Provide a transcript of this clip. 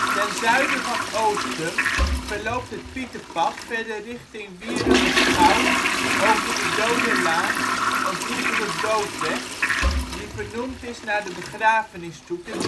Ten zuiden van Oostum verloopt het Pieterpad verder richting Wierumerschouw over de Dode Laan, een vroegere doodweg die vernoemd is naar de begrafenisstoeten